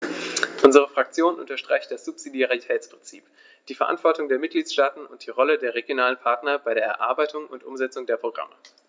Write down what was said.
Unsere Fraktion unterstreicht das Subsidiaritätsprinzip, die Verantwortung der Mitgliedstaaten und die Rolle der regionalen Partner bei der Erarbeitung und Umsetzung der Programme.